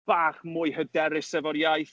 Bach mwy hyderus efo'r iaith.